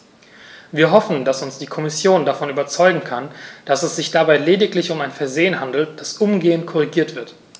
Wir hoffen, dass uns die Kommission davon überzeugen kann, dass es sich dabei lediglich um ein Versehen handelt, das umgehend korrigiert wird.